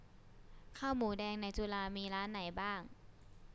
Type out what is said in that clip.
ข้าวหมูแดงในจุฬามีร้านไหนบ้าง